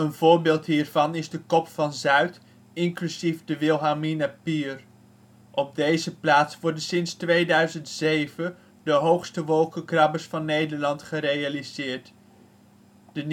voorbeeld hiervan is de Kop van Zuid inclusief de Wilhelminapier. Op deze plaats worden sinds 2007 de hoogste wolkenkrabbers van Nederland gerealiseerd, de